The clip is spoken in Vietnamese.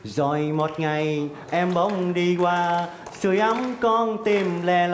rồi một ngày em bỗng đi qua sưởi ấm con tim lẻ